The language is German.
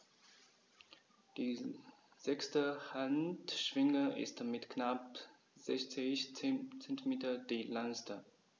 Die sechste Handschwinge ist mit knapp 60 cm die längste.